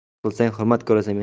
hurmat qilsang hurmat ko'rasan